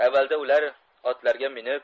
avvalda ular otlarga minib